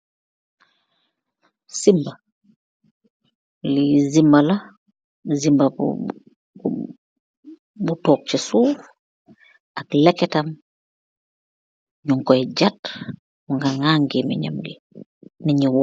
jimba bu tokk ce suuf ak lehketam nuykoy jaate mugee obee gemanyam bi